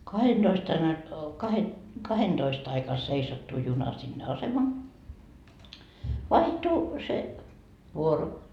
kahdentoista aina -- kahdentoista aikaan seisattui juna sinne asema vaihtui se vuoro